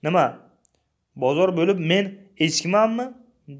nima bozor bo'lib men echkimanmi